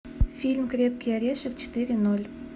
фильм крепкий орешек четыре ноль